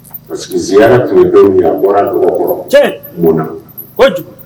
Parce queya tundenw bɔra dɔgɔkɔrɔ cɛ mun na o kojugu